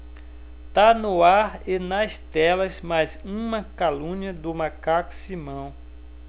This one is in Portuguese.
tá no ar e nas telas mais uma calúnia do macaco simão